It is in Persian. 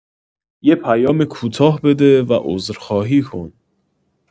یه پیام کوتاه بده و عذرخواهی کن